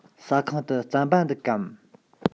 ཟ ཁང དུ རྩམ པ འདུག གམ